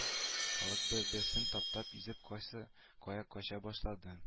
Халык бер-берсен таптап-изеп кайсы кая кача башлады